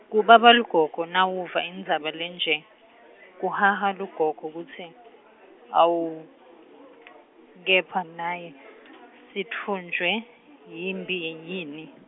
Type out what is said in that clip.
Kubaba lugogo nawuva indzaba lenje, kuhaha lugogo kutsi, awu , kepha naye , sitfunjwe, yimphi yini.